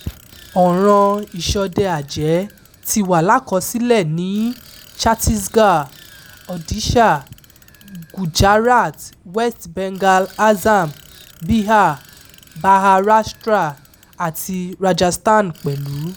Ọ̀ràn-an ìṣọdẹ-àjẹ́ ti wà l'ákọsílẹ̀ ní Chattisgarh, Odisha, Gujarat, West Bengal Assam, Bihar, Maharashtra àti Rajasthan pẹ̀lú.